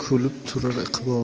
kulib turar iqboling